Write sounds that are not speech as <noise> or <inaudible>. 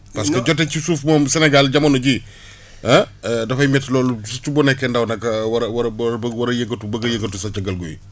parce que jotee ci suuf moom Sénégal jamono jii <breath> <hesitation> dafay métti lool surtout boo nekkee ndaw nag <hesitation> war a war a boog war a yëngatu bëgg a yëngatu sa cëggal guy